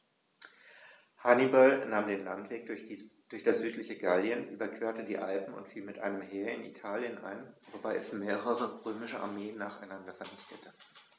Hannibal nahm den Landweg durch das südliche Gallien, überquerte die Alpen und fiel mit einem Heer in Italien ein, wobei er mehrere römische Armeen nacheinander vernichtete.